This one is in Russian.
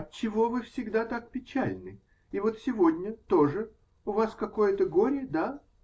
-- Отчего вы всегда так печальны -- и вот сегодня тоже? У вас какое-то горе, да?